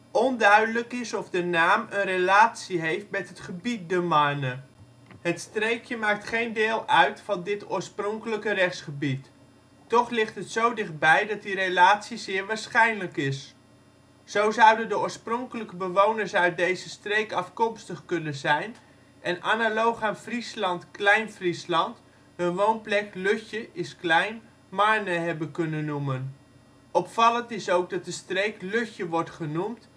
Onduidelijk is of de naam een relatie heeft met het gebied de Marne. Het streekje maakt geen deel uit van de oorspronkelijke rechtsgebied. Toch ligt het zo dichtbij dat die relatie zeer waarschijnlijk is. Zo zouden de oorspronkelijke bewoners uit deze streek afkomstig kunnen zijn en analoog aan Friesland — Klein Friesland hun woonplek Lutje (= klein) Marne hebben kunnen noemen. Opvallend is ook dat de streek " lutje " wordt genoemd